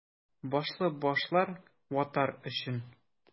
Башлы башлар — ватар өчен!